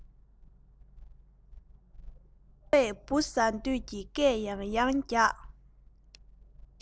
ཕོ བས འབུ ཟ འདོད ཀྱི སྐད ཡང ཡང རྒྱག